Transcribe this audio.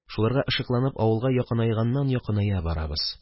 Шуларга ышыкланып, авылга якынайганнан-якыная барабыз.